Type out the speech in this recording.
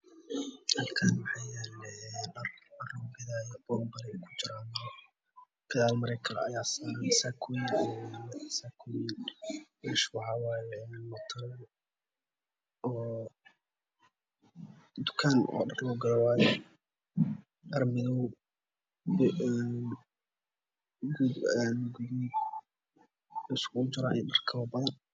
Halkaan waxaa yaalo dhar oo lugu gadaayo oo qaanad ku jira gadaal maro kale ayaa saaran oo saakooyin ah. Meesha waxa waaye mutuleel. Waa tukaan dhar lugu gado waaye, dhar madow iyo gaduud iskugu jira iyo dhar kalo oo badan.